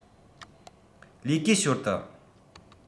ལས ཀའི ཞོར དུ